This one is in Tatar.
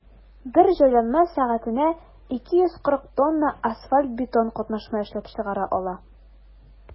Бер җайланма сәгатенә 240 тонна асфальт–бетон катнашма эшләп чыгара ала.